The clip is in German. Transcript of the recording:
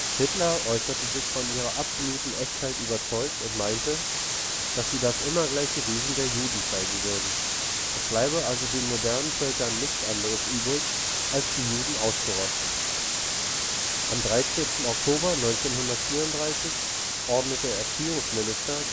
Hitler äußerte sich von ihrer „ absoluten Echtheit “überzeugt und meinte, dass sie das immer gleiche Wesen der Juden zeigen würden: „ Es bleibt also den modernen Völkern nichts anderes übrig, als die Juden auszurotten. “Am 13. Oktober 1934 ordnete Erziehungsminister